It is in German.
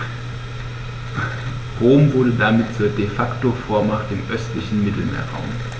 Rom wurde damit zur ‚De-Facto-Vormacht‘ im östlichen Mittelmeerraum.